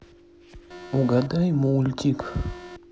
угадай мультик